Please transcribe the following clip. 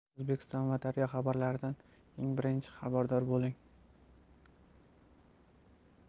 o'zbekiston va dunyo xabarlaridan eng birinchi xabardor bo'ling